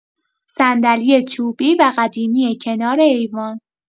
صندلی چوبی و قدیمی کنار ایوان